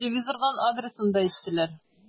Телевизордан адресын да әйттеләр.